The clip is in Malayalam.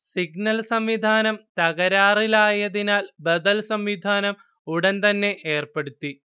സിഗ്നൽ സംവിധാനം തകരാറിലായതിനാൽ ബദൽ സംവിധാനം ഉടൻ തന്നെ ഏർപ്പെടുത്തി